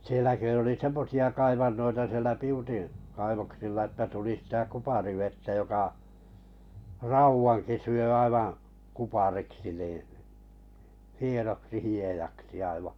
siellä kun oli semmoisia kaivantoja siellä Piutin kaivoksilla että tuli sitä kuparivettä joka raudankin syö aivan kupariksi niin hienoksi hiedaksi aivan